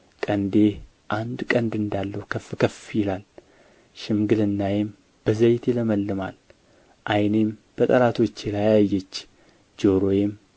ቀንዴ አንድ ቀንድ እንዳለው ከፍ ከፍ ይላል ሽምግልናዬም በዘይት ይለመልማል ዓይኔም በጠላቶቼ ላይ አየች ጆሮዬም